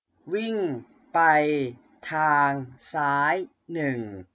วิ่งไปทางซ้ายหนึ่ง